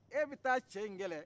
e bɛ taa cɛ in kɛlɛ